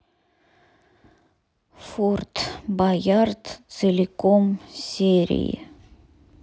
форт боярд целиком серии